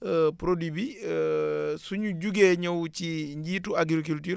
produit bi su ñu jugee ñëw ci njiitu agriculture